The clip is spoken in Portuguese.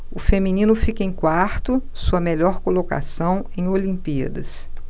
o feminino fica em quarto sua melhor colocação em olimpíadas